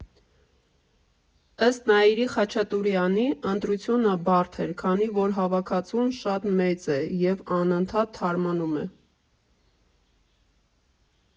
Ըստ Նայիրի Խաչատուրեանի՝ ընտրությունը բարդ էր, քանի որ հավաքածուն շատ մեծ է և անընդհատ թարմանում է։